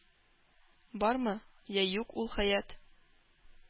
Бармы? Йә юк... ул хәят?